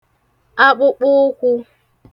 akpụkpụụkwụ̄